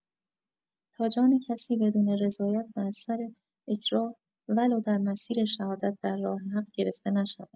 تا جان کسی بدون رضایت و از سر اکراه ولو در مسیر شهادت در راه حق گرفته نشود.